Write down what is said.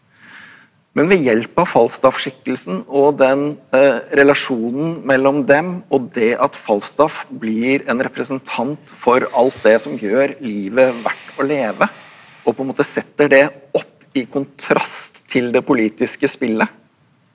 men ved hjelp Falstaff-skikkelsen og den relasjonen mellom dem og det at Falstaff blir en representant for alt det som gjør livet verdt å leve og på en måte setter det opp i kontrast til det politiske spillet,